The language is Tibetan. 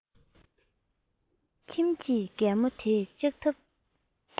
ཁྱིམ གྱི རྒན མོ དེས ལྕགས ཐབ